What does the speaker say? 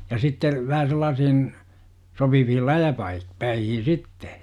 ja sitten vähän sellaisiin sopiviin - läjäpäihin sitten